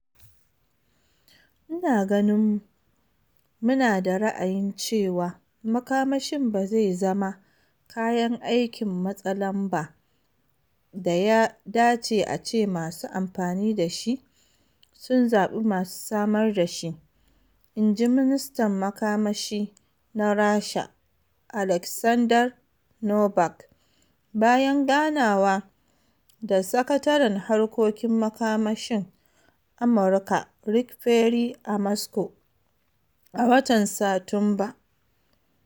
"Ina ganin mu na da ra'ayi cewa makamashi ba zai zama kayan aikin matsa lamba daya dace ace masu amfani dashi sun zabi masu samar dashi," in ji ministan makamashi na Rasha Aleksandr Novak bayan ganawa da Sakataren Harkokin Makamashin Amurka Rick Perry a Moscow a watan Satumba.